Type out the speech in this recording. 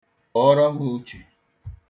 Kpọọrọ m Uche.